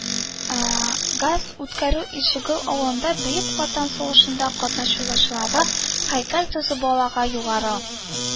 Газ үткәрү, илчегол авылында бөек ватан сугышында катнашучыларга һәйкәл төзү, балага югары